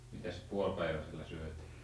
mitäs puolipäiväsellä syötiin